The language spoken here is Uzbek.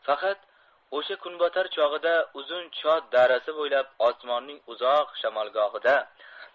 faqat o'sha kunbotar chog'ida uzun chot darasi bo'ylab osmonning uzoq shamolgohida